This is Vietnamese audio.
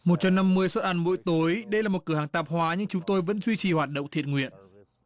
một trăm năm mươi suất ăn mỗi tối đây là một cửa hàng tạp hóa nhưng chúng tôi vẫn duy trì hoạt động thiện nguyện